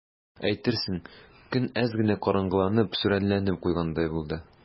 Әйтерсең, көн әз генә караңгыланып, сүрәнләнеп куйгандай булды.